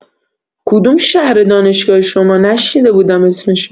کدوم شهره دانشگاه شما نشنیده بودم اسمشو